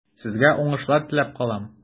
Сезгә уңышлар теләп калам.